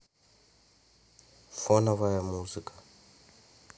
фоновая музыка